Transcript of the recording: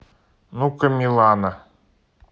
ну ка милана